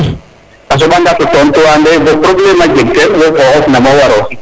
a soɓa nga to tontu wande bo probleme a jeg ten wofa xoxof namo waro fi